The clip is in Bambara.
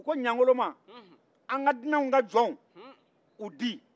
u ko ɲangolo ma an ka dunan ka jɔnw u di